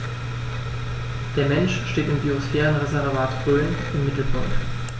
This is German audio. Der Mensch steht im Biosphärenreservat Rhön im Mittelpunkt.